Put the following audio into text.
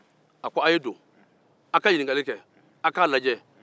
a ko a ye don a k'a lajɛ